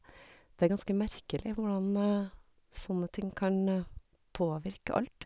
Det er ganske merkelig hvordan sånne ting kan påvirke alt.